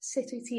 sut wyt ti...